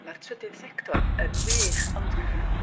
...meddyg teulu ma'r trydydd sector yn wych ond